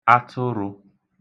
atụrụ̄